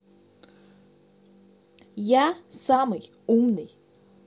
я самый умный